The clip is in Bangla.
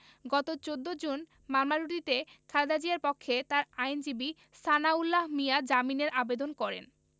গত ১৪ জুন মামলা দুটিতে খালেদা জিয়ার পক্ষে তার আইনজীবী সানাউল্লাহ মিয়া জামিনের আবেদন করেন